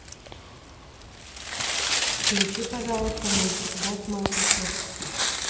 включи пожалуйста мультик босс молокосос